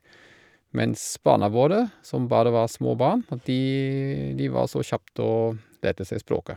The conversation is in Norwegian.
Mens barna våre, som bare var små barn, at de de var så kjapt og lærte seg språket.